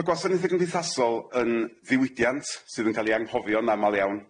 Ma' gwasanaethe cymdeithasol yn ddiwydiant sydd yn ca'l 'i anghofio'n amal iawn.